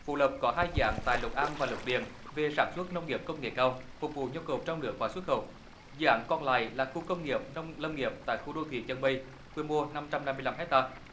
vụ lộc có hai dự án tài lộc an và lộc điền về sản xuất nông nghiệp công nghệ cao phục vụ nhu cầu trong nước và xuất khẩu dự án còn lại là khu công nghiệp nông lâm nghiệp tại khu đô thị chân mây quy mô năm trăm năm mươi lăm héc ta